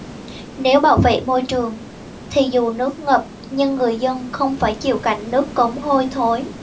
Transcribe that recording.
nếu bảo vệ môi trường thì dù nước ngập nhưng người dân không phải chịu cảnh nước cống hôi thối